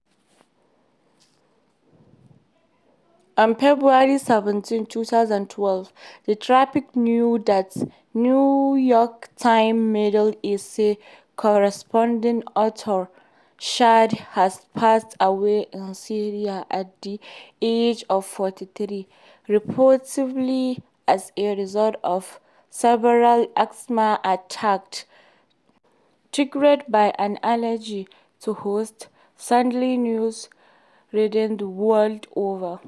On February 17, 2012, the tragic news that New York Times Middle East Correspondent Anthony Shadid had passed away in Syria at the age of 43, reportedly as a result of a severe asthma attack triggered by an allergy to horses, saddened news readers the world over.